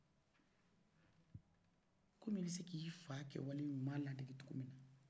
kɔm i bi se k'i fa kɛwale ɲuman ladegi cɔgɔ mina